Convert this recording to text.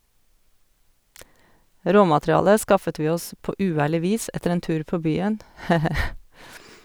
Råmaterialet skaffet vi oss på uærlig vis etter en tur på byen, he he.